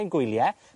ein gwylie,